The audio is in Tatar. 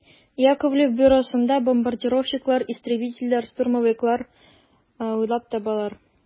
Яковлев бюросында бомбардировщиклар, истребительләр, штурмовиклар уйлап табалар.